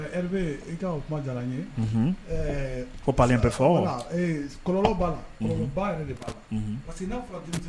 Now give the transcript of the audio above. Kuma ko bɛ fɔ b'a la b'a